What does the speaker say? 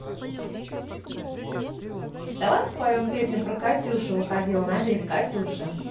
давай попоем песню про катюшу выходила на берег катюша